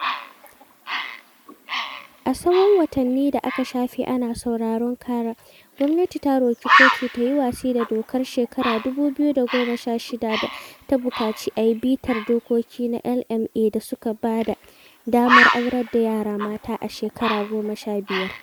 A tsawon watanni da aka shafe ana sauraron ƙarar, gwamnati ta roƙi kotu da yi watsi da dokar shekarar 2016 da ta buƙaci a yi bitar dokokin na LMA da suka ba da damar aurar da yara mata a shekara 15.